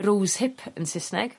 rosehip yn Sysneg